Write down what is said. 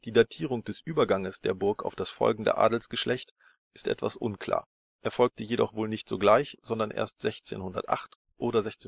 Datierung des Überganges der Burg auf das folgende Adelsgeschlecht ist etwas unklar, erfolgte jedoch wohl nicht sogleich, sondern erst 1608 oder 1610